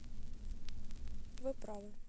вы правы